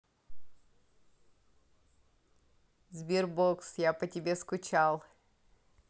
sberbox я по тебе скучал